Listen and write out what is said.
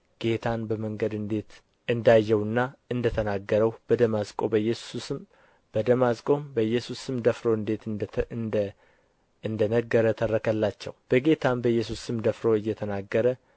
ጌታን በመንገድ እንዴት እንዳየውና እንደ ተናገረው በደማስቆም በኢየሱስ ስም ደፍሮ እንዴት እንደ ነገረ ተረከላቸው በጌታም በኢየሱስ ስም ደፍሮ እየተናገረ